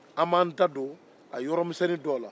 an b'an dadon a yɔrɔmisɛnnin dɔw la